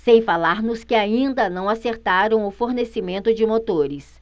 sem falar nos que ainda não acertaram o fornecimento de motores